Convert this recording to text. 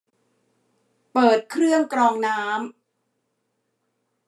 เปิดเครื่องกรองน้ำ